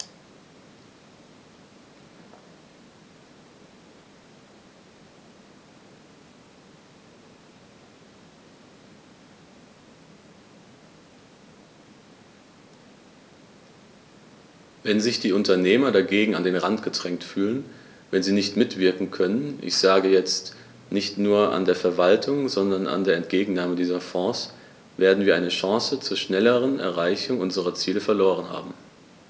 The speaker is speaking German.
Wenn sich die Unternehmer dagegen an den Rand gedrängt fühlen, wenn sie nicht mitwirken können ich sage jetzt, nicht nur an der Verwaltung, sondern an der Entgegennahme dieser Fonds , werden wir eine Chance zur schnelleren Erreichung unserer Ziele verloren haben.